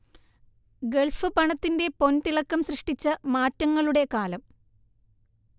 Gulf പണത്തിന്റെ പൊൻതിളക്കം സൃഷ്ടിച്ച മാറ്റങ്ങളുടെ കാലം